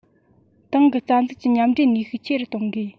ཏང གི རྩ འཛུགས ཀྱི མཉམ འདྲེས ནུས ཤུགས ཆེ རུ གཏོང དགོས